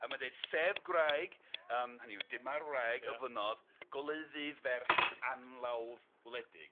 A mae'n deud, sedd gwraig, yym hynny yw, dyma'r wraig ofynodd goleuddi ferch anlawdd wledig.